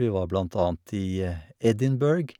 Vi var blant annet i Edinburgh.